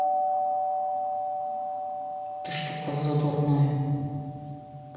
ты что коза дурная